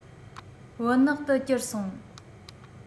བུན ནག ཏུ གྱུར སོང